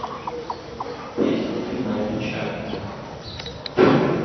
песня ты моя печаль